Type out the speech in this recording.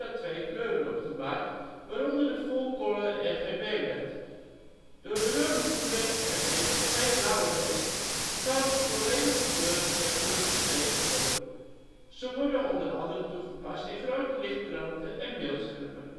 twee kleuren op de markt, waaronder de full-colour RGB-led. Door de rode, groene en (meestal) twee blauwe leds kan het volledige kleurenspectrum bestreken worden. Ze worden onder andere toegepast in grote lichtkranten en beeldschermen